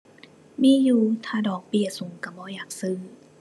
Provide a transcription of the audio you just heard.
มีอยู่ ถ้าดอกเบี้ยสูงก็บ่อยากซื้อ